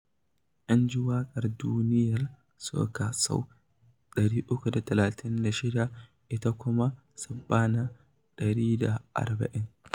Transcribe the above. An ji waƙar "Duniyar Soca" sau 336, ita kuma "Saɓannah" 140.